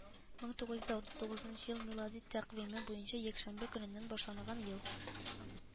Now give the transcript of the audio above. Мең тугыз йөз дә утыз тугызынчы ел милади тәкъвиме буенча якшәмбе көненнән башланган ел